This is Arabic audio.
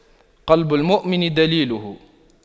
قلب المؤمن دليله